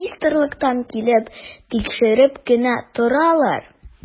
Министрлыктан килеп тикшереп кенә торалар.